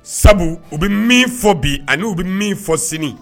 Sabu u bɛ min fɔ bi ani u bɛ min fɔ sini